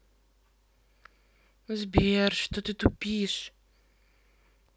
сбер что ты тупишь